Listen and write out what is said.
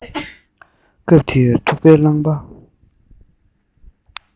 སྐབས དེར ཐུག པའི རླངས པ